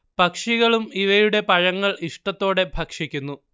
പക്ഷികളും ഇവയുടെ പഴങ്ങൾ ഇഷ്ടത്തോടെ ഭക്ഷിക്കുന്നു